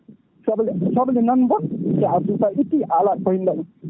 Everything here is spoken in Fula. soble soble nan gua sa addi sa itti a ala to parnuɗa ɗum